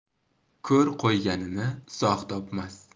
ko'r qo'yganini sog' topmas